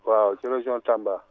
waaw si région Tamba